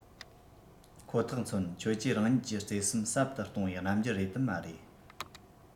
ཁོ ཐག མཚོན ཁྱོད ཀྱིས རང ཉིད ཀྱི བརྩེ སེམས ཟབ ཏུ གཏོང བའི རྣམ འགྱུར རེད དམ མ རེད